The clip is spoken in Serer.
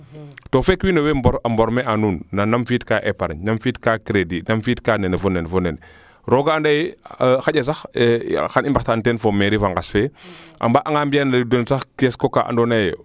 te feek wiin we o mber mborme a nuun nam fi'it kaa epargne nam fi'it kaa credit nam fi'it kaa nene fo nene fo nene rooga anda ye xaƴa sax xan i mbaxtaan teen fo mairie fa ngas fee a mbaag anga mbiya na den sax kest ka ando naye